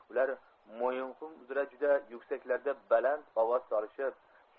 ular mo'yinqum uzra juda yuksaklarda baland ovoza solishib